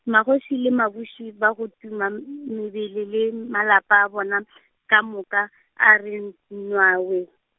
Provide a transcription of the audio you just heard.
magoši le babuši ba go tuma m- mebele le malapa a bona , ka moka, a re n-, nnawee.